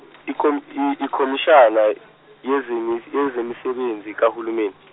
ikhomi- ikhomishana yezeMi- yezeMisebenzi kaHulumeni.